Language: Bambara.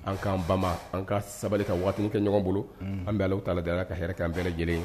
An k'an ban an ka sabali ka waati kɛ ɲɔgɔn bolo an bɛ ta da ka hɛrɛ an bɛɛ lajɛlen ye